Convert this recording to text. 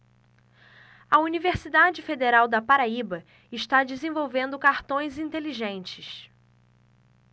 a universidade federal da paraíba está desenvolvendo cartões inteligentes